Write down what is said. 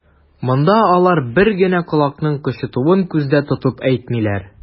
Монда алар бер генә колакның кычытуын күздә тотып әйтмиләр.